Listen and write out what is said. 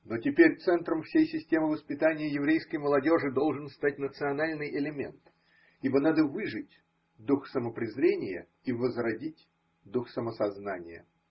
но теперь центром всей системы воспитания еврейской молодежи должен стать национальный элемент, ибо надо выжить дух самопрезрения и возродить дух самосознания.